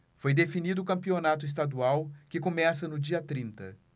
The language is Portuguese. foi definido o campeonato estadual que começa no dia trinta